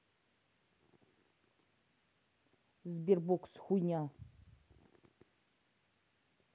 sberbox хуйня